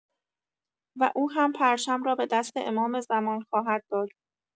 و او هم پرچم را به دست امام زمان خواهد داد.